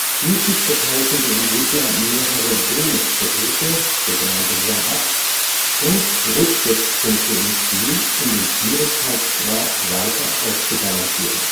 Schließlich verteilten die Entwickler mehrere Bonus-Versuche („ 1-UPs “) und Rücksetzpunkte im Spiel, um den Schwierigkeitsgrad weiter auszubalancieren